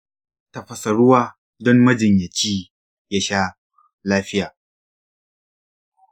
tafasa ruwa don majiyyaci ya sha lafiya.